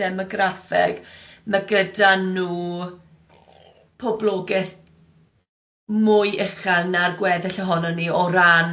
demograffeg, ma' gyda nhw poblogeth mwy uchel na'r gweddill ohonon ni o ran.